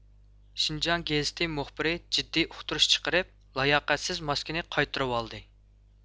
شىنجاڭ گېزىتى مۇخبىرى جىددىي ئۇقتۇرۇش چىقىرىپ لاياقەتسىز ماسكىنى قايتۇرۇۋالدى